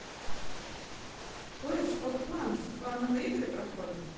clash of clans клановые игры проходим